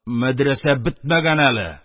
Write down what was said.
Мәдрәсә бетмәгән әле.